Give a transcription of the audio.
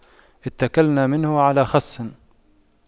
اتَّكَلْنا منه على خُصٍّ